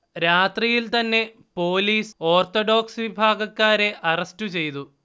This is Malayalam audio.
രാത്രിയിൽതന്നെ പോലീസ് ഓർത്തഡോക്സ് വിഭാഗക്കാരെ അറസ്റ്റു ചെയ്തു